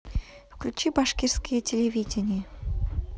включи башкирское телевидение